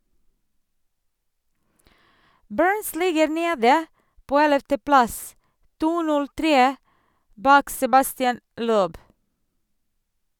Burns ligger nede på ellevteplass, 2.03 bak Sebastien Loeb.